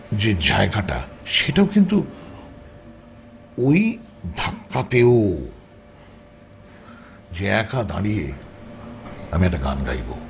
যে জায়গাটা সেটাও কিন্তু ওই ধাক্কাতেও যে একা দাঁড়িয়ে আমি একটা গান গাইবো